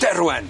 Derwen.